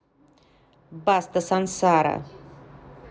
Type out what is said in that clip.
баста сансара